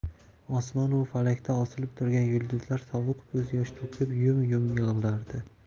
osmon u falakda osilib turgan yulduzlar sovuq ko'z yosh to'kib yum yum yiglardi